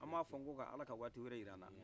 an b'a fɔ ko ala ka waati wɛrɛ jira an na